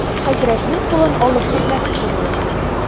Хәзрәтнең кулын алып үпмәкче була.